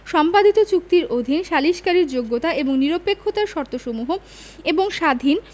সম্পাদিত চুক্তির অধীন সালিসকারীর যোগ্যতা এবং নিরপেক্ষতার শর্তসমূহ এবং স্বাধীন